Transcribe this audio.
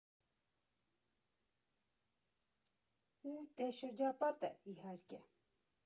Ու, դե՜, շրջապատը, իհարկե՛։